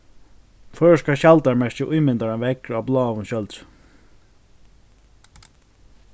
føroyska skjaldarmerkið ímyndar ein veðr á bláum skjøldri